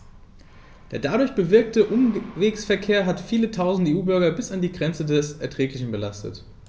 Der dadurch bewirkte Umwegsverkehr hat viele Tausend EU-Bürger bis an die Grenze des Erträglichen belastet.